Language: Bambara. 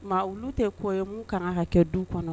Maa olu tɛ kɔ ye mun ka ka kɛ du kɔnɔ